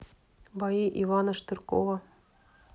бои ивана штыркова